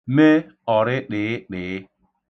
me ọ̀rịtị̀ịtị̀ị